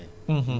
dégg nañ ko waaw